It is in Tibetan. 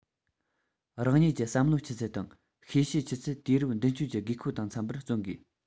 རང ཉིད ཀྱི བསམ བློའི ཆུ ཚད དང ཤེས བྱའི ཆུ ཚད དུས རབས མདུན སྐྱོད ཀྱི དགོས མཁོ དང འཚམ པར བརྩོན དགོས